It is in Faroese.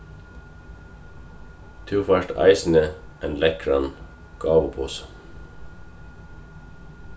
tú fært eisini ein lekkran gávuposa